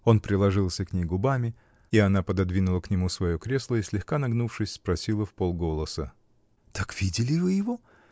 Он приложился к ней губами, а она пододвинула к нему свое кресло и, слегка нагнувшись, спросила вполголоса: -- Так видели вы его?